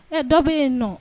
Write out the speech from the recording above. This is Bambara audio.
Mɛ dɔ bɛ yen nɔ